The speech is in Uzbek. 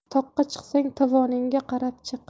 toqqa chiqsang tovoningga qarab chiq